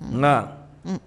Na, un.